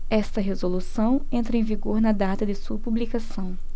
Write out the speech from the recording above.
esta resolução entra em vigor na data de sua publicação